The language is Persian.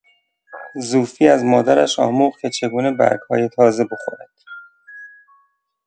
زوفی از مادرش آموخت که چگونه برگ‌های تازه بخورد.